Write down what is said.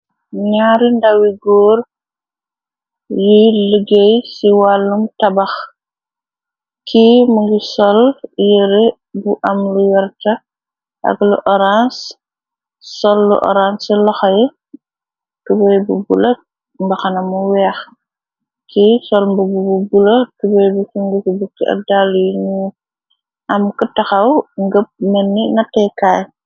Naari ndawi góor, yi liggéey ci wàllum tabax, ki mu ngi sol yere bu am lu yerta, ak lu orance sol lu horanc ce loxee, tubey bu bula, mbaxanamu weex, ci solmb b bu bula, tubey bu ci ngut bukki addall yi ñu, am k taxaw ngëpp menni nateekaay.